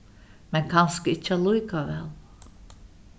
men kanska ikki allíkavæl